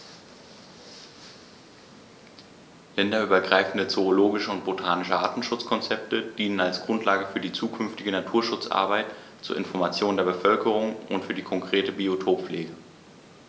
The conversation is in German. Länderübergreifende zoologische und botanische Artenschutzkonzepte dienen als Grundlage für die zukünftige Naturschutzarbeit, zur Information der Bevölkerung und für die konkrete Biotoppflege.